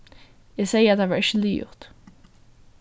eg segði at tað var ikki liðugt